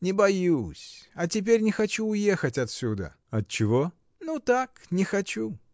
— Не боюсь, а теперь не хочу уехать отсюда. — Отчего? — Ну так, не хочу.